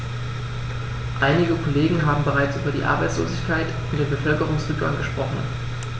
Einige Kollegen haben bereits über die Arbeitslosigkeit und den Bevölkerungsrückgang gesprochen.